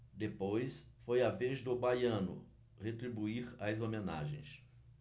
depois foi a vez do baiano retribuir as homenagens